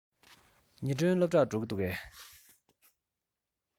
ཉི སྒྲོན སློབ གྲྭར འགྲོ གི འདུག གས